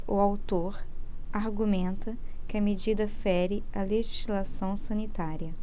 o autor argumenta que a medida fere a legislação sanitária